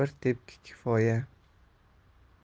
bir tepki kifoya